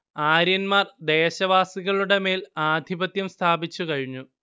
ആര്യന്മാർ ദേശവാസികളുടെമേൽ ആധിപത്യം സ്ഥാപിച്ചു കഴിഞ്ഞു